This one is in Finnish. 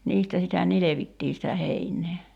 niistä sitä nilvettiin sitä heinää